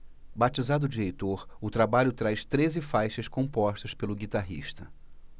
batizado de heitor o trabalho traz treze faixas compostas pelo guitarrista